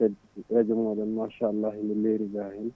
kadi radio moɗon machallah ego leeri ga henna